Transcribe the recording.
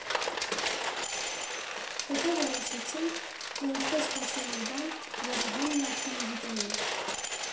Հետո որոշեցինք, թե ինչպես կոչել մի բան, որի համն արդեն գիտեինք։